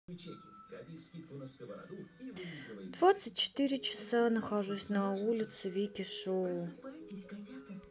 двадцать четыре часа нахожусь на улице вики шоу